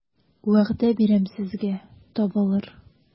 Вәгъдә бирәм сезгә, табылыр...